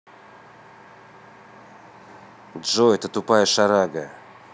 джой ты тупая шарага